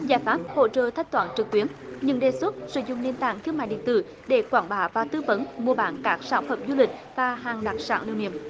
giải pháp hỗ trợ thanh toán trực tuyến những đề xuất sử dụng nền tảng thương mại điện tử để quảng bá và tư vấn mua bán các sản phẩm du lịch và hàng đặc sản lưu niệm